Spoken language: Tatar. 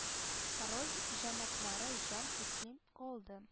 Король җәнаплары җан тәслим кылды